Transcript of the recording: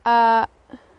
A, yy